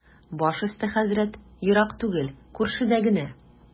Баш өсте, хәзрәт, ерак түгел, күршедә генә.